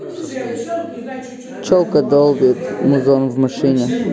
четко долбит музон в машине